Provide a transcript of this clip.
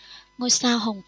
ngôi sao hồng